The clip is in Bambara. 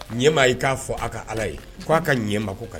Ɲɛmaa ye k'a fɔ a ka ala ye ko' a ka ɲɛ ma ko ka di